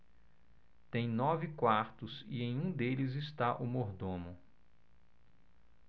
tem nove quartos e em um deles está o mordomo